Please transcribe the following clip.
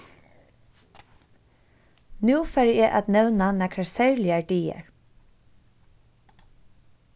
nú fari eg at nevna nakrar serligar dagar